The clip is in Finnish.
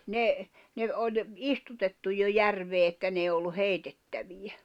ne ne oli istutettu jo järveen että ne ei ollut heitettäviä